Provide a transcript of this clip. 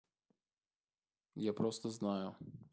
я просто знаю